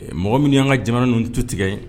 Mɔgɔ minnu y'an ka jamana ninnu to tigɛ yen